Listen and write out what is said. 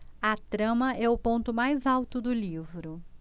a trama é o ponto mais alto do livro